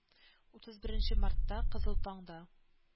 Утыз беренче мартта кызыл таң да